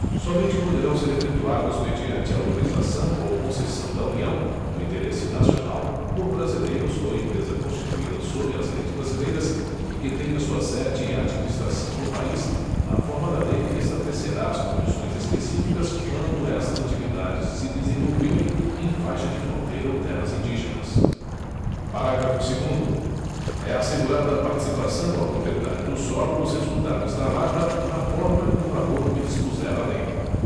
somente poderão ser efetuados mediante autorização ou concessão da união no interesse nacional por brasileiros ou empresa constituída sob as leis brasileiras e que tenha sua sede e administração no país na forma da lei que estabelecerá as condições específicas quando essas atividades se desenvolverem em faixa de fronteira ou terras indígenas parágrafo segundo é assegurada participação ao proprietário do solo nos resultados da lavra na forma e no valor que dispuser a lei